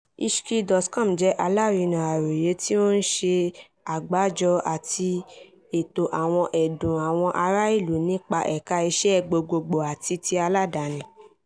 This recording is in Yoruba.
Ishki.com jẹ́ alárinnà àròyé tí ó ń ṣe àgbàjọ àti ètò àwọn ẹ̀dùn àwọn ará ìlú nípa ẹ̀ka iṣẹ́ gbogboogbò àti ti aládàáni.